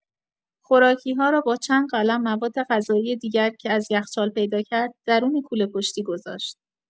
خوراکی‌ها را با چند قلم موادغذایی دیگر که از یخچال پیدا کرد، درون کوله‌پشتی گذاشت.